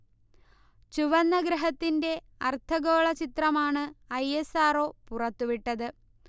ചുവന്ന ഗ്രഹത്തിന്റെ അർദ്ധഗോള ചിത്രമാണ് ഐ. എസ്. ആർ. ഒ. പുറത്തുവിട്ടത്